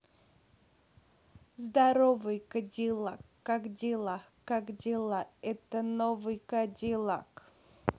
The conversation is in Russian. здоровый кадиллак как дела как дела это новый кадиллак